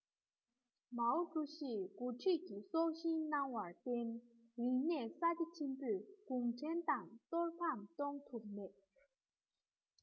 མའོ ཀྲུའུ ཞིས འགོ ཁྲིད ཀྱི སྲོག ཤིང གནང བར བརྟེན རིག གནས གསར བརྗེ ཆེན པོས གུང ཁྲན ཏང གཏོར ཕམ གཏོང ཐུབ མེད